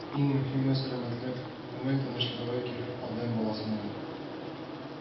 Иң мөһиме сәламәтлек, күңел тынычлыгы кирәк адәм баласына